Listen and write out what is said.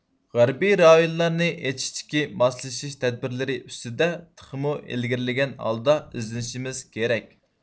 غەربىي رايونلارنى ئېچىشتىكى ماسلىشىش تەدبىرلىرى ئۈستىدە تېخىمۇ ئىلگىرلىگەن ھالدا ئىزدىنىشىمىز كىرەك